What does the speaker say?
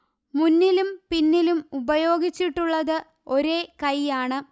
മുന്നിലും പിന്നിലും ഉപയോഗിച്ചിട്ടുള്ളത് ഒരേ കൈയ്യാണ്